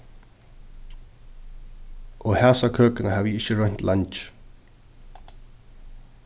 og hasa køkuna havi eg ikki roynt leingi